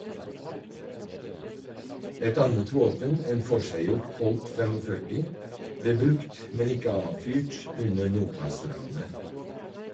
Et annet våpen, en forseggjort colt 45, ble brukt, men ikke avfyrt, under Nokas-ranet.